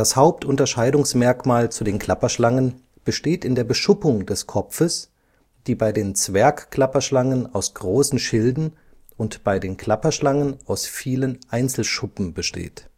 Hauptunterscheidungsmerkmal zu den Klapperschlangen besteht in der Beschuppung des Kopfes, die bei den Zwergklapperschlangen aus großen Schilden und bei den Klapperschlangen aus vielen Einzelschuppen besteht